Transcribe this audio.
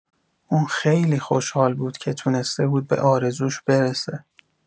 اون خیلی خوشحال بود که تونسته بود به آرزوش برسه.